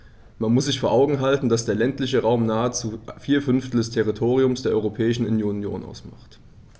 Man muss sich vor Augen halten, dass der ländliche Raum nahezu vier Fünftel des Territoriums der Europäischen Union ausmacht.